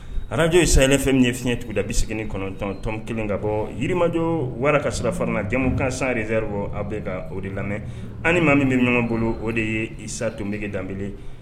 Arajo ye sayɛlɛfɛn min ye fiɲɛɲɛugu da bɛ segin kɔnɔntɔntɔnon kelen ka bɔ yirimajɔ wara ka sɔrɔ fara la jamumu kan san zeri aw bɛ ka o de lamɛn ani maa min bɛ ɲɔgɔn bolo o de ye isa tun bɛge dab